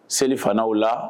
Selifana o la